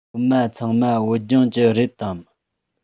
སློབ མ ཚང མ བོད ལྗོངས ཀྱི རེད དམ